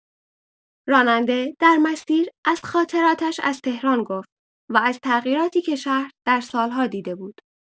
راننده در مسیر از خاطراتش از تهران گفت و از تغییراتی که شهر در سال‌ها دیده بود.